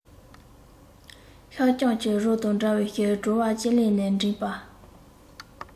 ཤ སྐམ གྱི རོ དང འདྲ བའི བྲོ བ ལྕེ ལེབ ནས མགྲིན པ